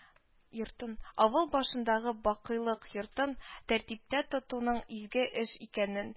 Йортын авыл башындагы бакыйлык йортын тәртиптә тотуның изге эш икәнен